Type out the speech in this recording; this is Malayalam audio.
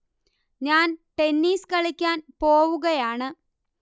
ഞാൻ ടെന്നിസ് കളിക്കാൻ പോവുകയാണ്